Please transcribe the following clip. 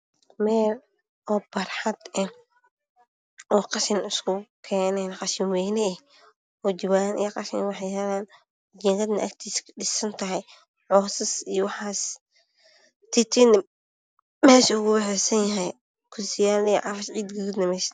Meel oo barxad eh oo qashin la iskugu keenay qashinweyne oo jawan qashin wax yalaan geedadna agtisa ka dhisanyihiin tiitina mesha ogu waxeysanyahay